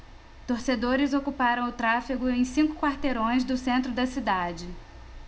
torcedores ocuparam o tráfego em cinco quarteirões do centro da cidade